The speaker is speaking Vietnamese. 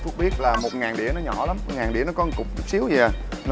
phúc biết là một ngàn đĩa nó nhỏ lắm ngàn đĩa nó có cục chút xíu dầy nè